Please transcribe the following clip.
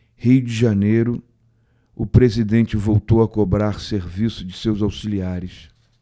rio de janeiro o presidente voltou a cobrar serviço de seus auxiliares